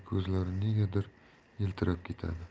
ko'zlari negadir yiltirab ketadi